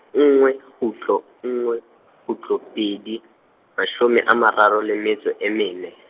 nngwe kgutlo nngwe, kgutlo pedi, mashome a mararo le metso e mene.